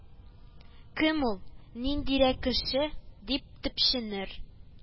Кем ул, ниндирәк кеше, дип төпченер